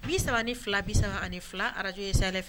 Bi saba ni fila bi saba ani fila araj ye sa fɛ